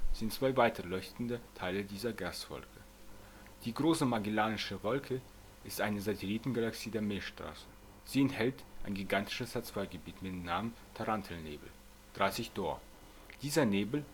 zwei weitere leuchtende Teile dieser Gaswolke. Die Große Magellansche Wolke ist eine Satellitengalaxie der Milchstraße. Sie enthält ein gigantisches H-II-Gebiet mit dem Namen Tarantelnebel (30 Dor). Dieser Nebel